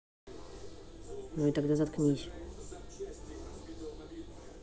ну и тогда заткнись